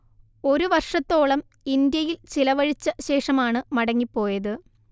ഒരു വർഷത്തോളം ഇന്ത്യയിൽ ചിലവഴിച്ച ശേഷമാണു മടങ്ങി പോയത്